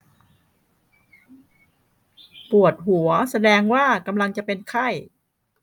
ปวดหัวแสดงว่ากำลังจะเป็นไข้